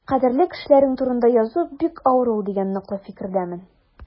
Кадерле кешеләрең турында язу бик авыр ул дигән ныклы фикердәмен.